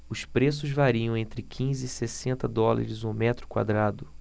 os preços variam entre quinze e sessenta dólares o metro quadrado